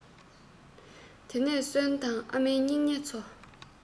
དེ ནས གསོན དང ཨ མའི སྙིང ཉེ ཚོ